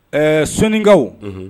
Ɛɛ soinkaw